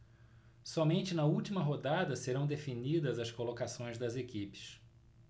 somente na última rodada serão definidas as colocações das equipes